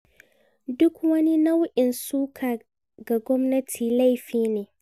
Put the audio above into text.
Duk wani nau'in suka ga gwamnati laifi ne